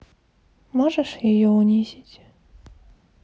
можешь ее унизить